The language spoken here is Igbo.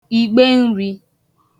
ìgbenrī